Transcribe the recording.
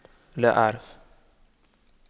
لا أعرف